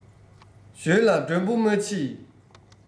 ཞོལ ལ མགྲོན པོ མ མཆིས